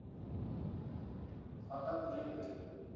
faqat uning o'zi yo'q